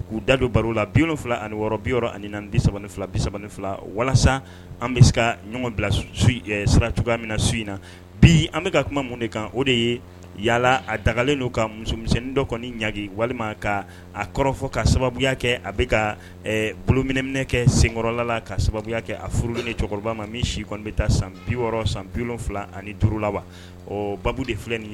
K'u da don baro la bi wolonwula ani wɔɔrɔ bi ani disa fila bisa fila walasa an bɛ se ka ɲɔgɔn bila sara cogoya min na su in na bi an bɛka ka kuma mun de kan o de ye yalala a dagalen'u ka musomisɛnnin dɔ kɔni ɲaga walima ka a kɔrɔfɔ ka sababuya kɛ a bɛ kaminɛminɛ kɛ senkɔrɔla la ka sababuya kɛ a furu ni cɛkɔrɔba ma min si kɔnɔ bɛ taa san bi wɔɔrɔ san bifila ani duuru la wa ba de filɛ nin ye